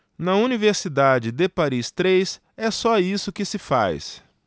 na universidade de paris três é só isso que se faz